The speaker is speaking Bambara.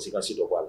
N tɛ ka si dɔn k a la